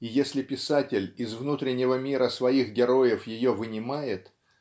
И если писатель из внутреннего мира своих героев ее вынимает